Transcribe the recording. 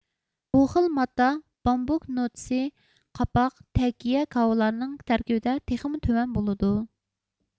بۇ خىل ماددا بامبۇك نوتىسى قاپاق تەكىيە كاۋىلارنىڭ تەركىبىدە تېخىمۇ تۆۋەن بولىدۇ